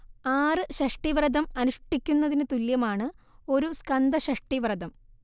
ആറ് ഷഷ്ടിവ്രതം അനുഷ്ഠിക്കുന്നതിനു തുല്യമാണ് ഒരു സ്കന്ദഷഷ്ഠി വ്രതം